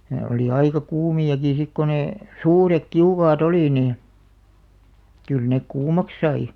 ne oli aika kuumiakin sitten kun ne suuret kiukaat oli niin kyllä ne kuumaksi sai